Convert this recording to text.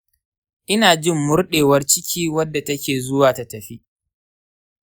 ina jin murɗawar ciki wadda take zuwa ta tafi.